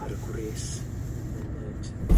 a'r gwres yn myned